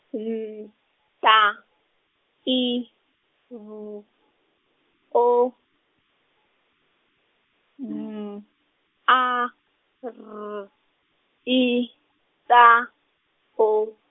N T I V O, M A R I T O.